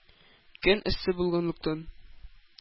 Көн эссе булганлыктан,